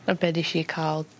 fel be' des i ca'l